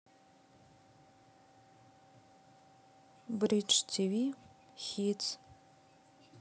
бридж ти ви хитс